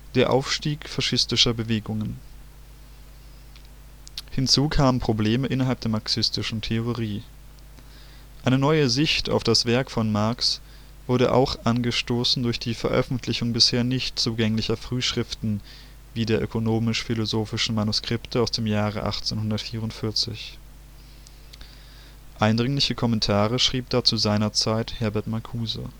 der Aufstieg faschistischer Bewegungen. Hinzu kamen Probleme innerhalb der marxistischen Theorie. Eine neue Sicht auf das Werk von Marx wurde auch angestoßen durch die Veröffentlichung bisher nicht zugänglicher Frühschriften wie Ökonomisch-philosophische Manuskripte aus dem Jahre 1844 (1932). Eindringliche Kommentare schrieb dazu seinerzeit Herbert Marcuse